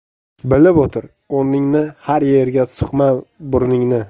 bilib o'tir o'rningni har yerga suqma burningni